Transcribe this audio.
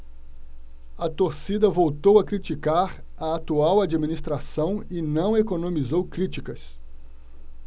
a torcida voltou a criticar a atual administração e não economizou críticas